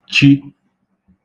chi